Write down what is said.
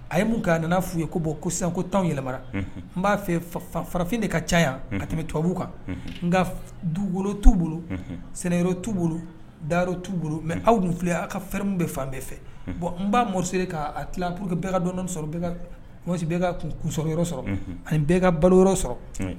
A ye mun' nana f'u ye ko bɔn ko sisanko tɔnw yɛlɛmana n b'a fɛ farafin de ka caya ka tɛmɛ tubabubu kan n dukolo t tuu bolo sɛnɛyɔrɔ t tuu bolo daro t tuu bolo mɛ aw dun filɛ aw ka fɛrinw bɛ fan bɛɛ fɛ bɔn n'a mse k'a tilaorour que bɛɛ ka dɔnnidɔ sɔrɔsi ka kunsɔ yɔrɔ sɔrɔ ani bɛɛ ka balo yɔrɔ sɔrɔ